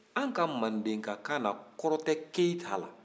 an ka mandekakan na kɔrɔ tɛ keyita la